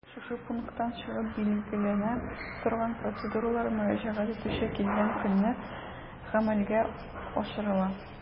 Шушы пункттан чыгып билгеләнә торган процедуралар мөрәҗәгать итүче килгән көнне гамәлгә ашырыла.